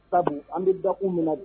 Sabu an be dakun min na b